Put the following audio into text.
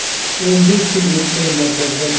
o'n besh kun o'tmay markazdan